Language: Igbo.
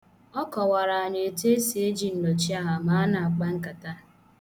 Ọ kọwara anyị etu esi eji nnọchiaha ma a na-akpa nkata.